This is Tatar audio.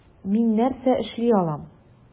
Мин нәрсә эшли алам?